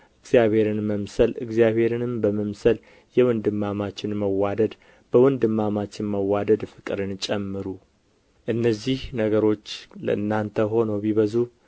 እግዚአብሔርን መምሰል እግዚአብሔርንም በመምሰል የወንድማማችን መዋደድ በወንድማማችም መዋደድ ፍቅርን ጨምሩ እነዚህ ነገሮች ለእናንተ ሆነው ቢበዙ